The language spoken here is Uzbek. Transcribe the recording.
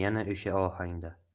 yana o'sha ohangda